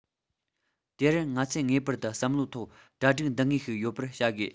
དེར ང ཚོས ངེས པར དུ བསམ བློའི ཐོག གྲ སྒྲིག འདང ངེས ཤིག ཡོད པར བྱ དགོས